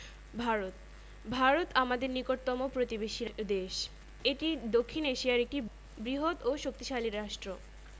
ভারতঃ ভারত আমাদের নিকটতম প্রতিবেশী দেশএটি দক্ষিন এশিয়ার একটি বৃহৎও শক্তিশালী রাষ্ট্র